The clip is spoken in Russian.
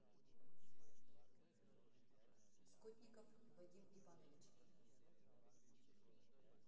скотников вадим иванович